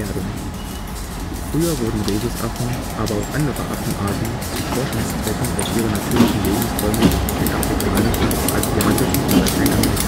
Früher wurden Rhesusaffen, aber auch andere Affenarten, zu Forschungszwecken aus ihren natürlichen Lebensräumen in afrikanischen, asiatischen und lateinamerikanischen